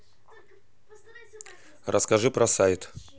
расскажи про сайт